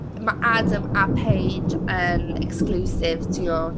Ma' Adam a Paige yn exclusive tibod.